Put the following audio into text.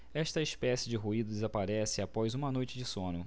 esta espécie de ruído desaparece após uma noite de sono